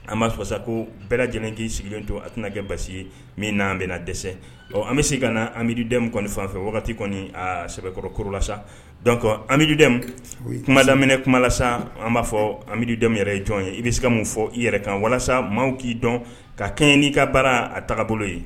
An b'afasa ko bɛɛ lajɛlen k'i sigilen to a tɛna kɛ basi ye min n'an bɛna dɛsɛ ɔ an bɛ se ka na amibimu kɔni fan fɛ wagati kɔni sɛbɛkɔrɔ korola sa dɔnc amibimu kuma daminɛ kumalasa an b'a fɔ amibididen yɛrɛ ye jɔn ye i bɛ se ka mun fɔ i yɛrɛ kan walasa maaw k'i dɔn ka kɛ n'i ka baara a taga bolo ye